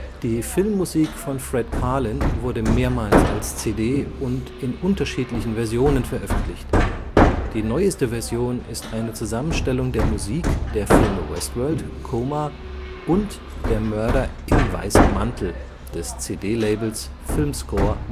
Die Filmmusik von Fred Karlin wurde mehrmals als CD und in unterschiedlichen Versionen veröffentlicht. Die neueste Version ist eine Zusammenstellung der Musik der Filme Westworld, Coma und Der Mörder im weißen Mantel (The Carey Treatment) des CD-Labels Film Score